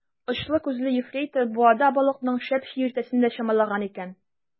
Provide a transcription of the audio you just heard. Очлы күзле ефрейтор буада балыкның шәп чиертәсен дә чамалаган икән.